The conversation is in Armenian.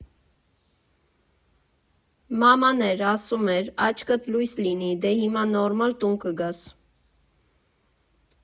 Մաման էր, ասում էր՝ աչքդ լույս լինի, դե հիմա նորմալ տուն կգաս։